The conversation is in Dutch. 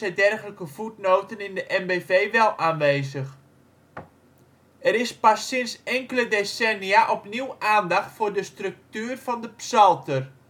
dergelijke voetnoten in de NBV wel aanwezig). Er is pas sinds enkele decennia opnieuw aandacht voor de structuur van het psalter